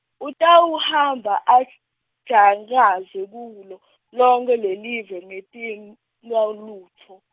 Utawuhamba ajangaza kulo lonkhe lelive ngentin- wa lutfo.